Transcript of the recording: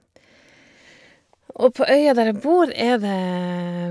Og på øya der jeg bor er det...